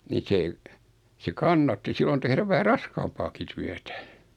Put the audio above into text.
niin se se kannatti silloin tehdä vähän raskaampaakin työtä